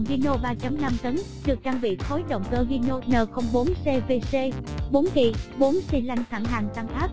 còn hino tấn được trang bị khối động cơ hino n cvc kỳ xylanh thẳng hàng tăng áp